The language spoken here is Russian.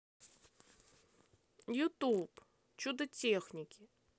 ютуб чудо техники